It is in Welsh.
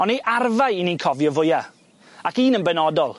On' ei arfau 'yn ni'n cofio fwya ac un yn benodol.